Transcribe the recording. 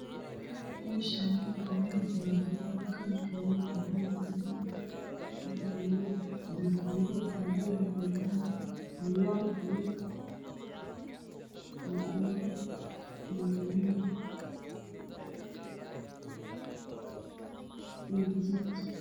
Meeshaan waa meel janjaro ah kalarkeedu waa cadaan. Waxaa yaalo dirdiiro nuucyadoodu kala duwan sida fiyool, cagaar, buluug iyo gaduud.